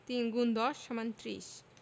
৩ ×১০ = ৩০